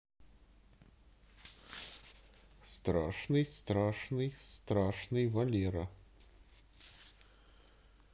страшный страшный страшный валера